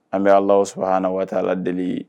An bɛ ala sɔrɔha na waati la delieli ye